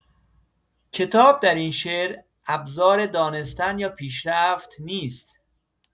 کتاب در این شعر، ابزار دانستن یا پیشرفت نیست.